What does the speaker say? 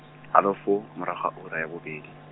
halofo, morago ga ura ya bobedi.